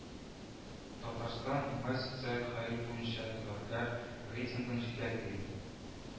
Татарстан уңай социаль хәл буенча төбәкләр рейтингын җитәкли